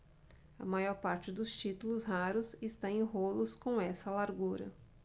a maior parte dos títulos raros está em rolos com essa largura